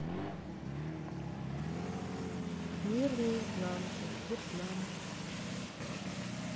мир наизнанку вьетнам